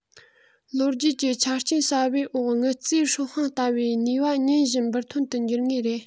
ལོ རྒྱུས ཀྱི ཆ རྐྱེན གསར པའི འོག དངུལ རྩའི སྲོག ཤིང ལྟ བུའི ནུས པ ཉིན བཞིན འབུར ཐོན དུ འགྱུར ངེས རེད